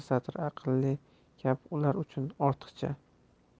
satr aqlli gap ular uchun ortiqcha